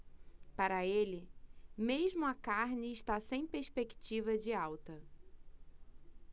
para ele mesmo a carne está sem perspectiva de alta